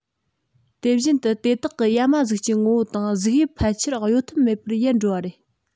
དེ བཞིན དུ དེ དག གི ཡ མ གཟུགས ཀྱི ངོ བོ དང གཟུགས དབྱིབས ཕལ ཆེར གཡོལ ཐབས མེད པར ཡལ འགྲོ བ ཡིན